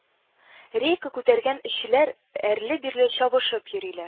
Рейка күтәргән эшчеләр әрле-бирле чабышып йөри